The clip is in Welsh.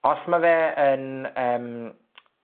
os ma' fe yn yym,